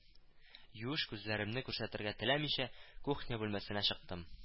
Юеш күзләремне күрсәтергә теләмичә, кухня бүлмәсенә чыктым